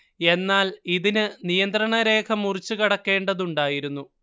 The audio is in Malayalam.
എന്നാൽ ഇതിന് നിയന്ത്രണരേഖ മുറിച്ചു കടക്കേണ്ടതുണ്ടായിരുന്നു